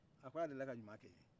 a k'a delila ka ɲuman kɛ n ye